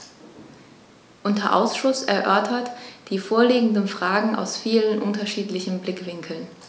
Unser Ausschuss erörtert die vorliegenden Fragen aus vielen unterschiedlichen Blickwinkeln.